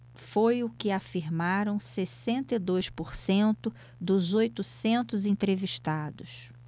foi o que afirmaram sessenta e dois por cento dos oitocentos entrevistados